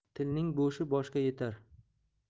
tilning bo'shi boshga yetar